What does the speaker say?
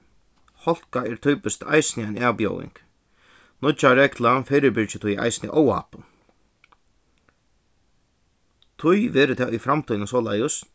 hálka er typiskt eisini ein avbjóðing nýggja reglan fyribyrgir tí eisini óhappum tí verður tað í framtíðini soleiðis